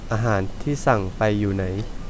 อาหารที่สั่งไปอยู่ไหน